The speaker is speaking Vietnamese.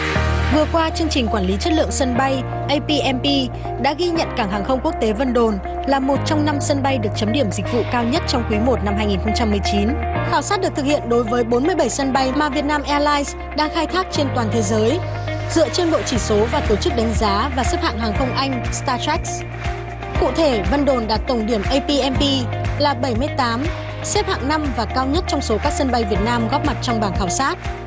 vừa qua chương trình quản lý chất lượng sân bay ây pi em pi đã ghi nhận cảng hàng không quốc tế vân đồn là một trong năm sân bay được chấm điểm dịch vụ cao nhất trong quý một năm hai nghìn không trăm mười chín khảo sát được thực hiện đối với bốn mươi bảy sân bay mà việt nam e lai đang khai thác trên toàn thế giới dựa trên bộ chỉ số và tổ chức đánh giá và xếp hạng hàng không anh sờ ta trách cụ thể vân đồn đạt tổng điểm ây pi em pi là bảy mươi tám xếp hạng năm và cao nhất trong số các sân bay việt nam góp mặt trong bảng khảo sát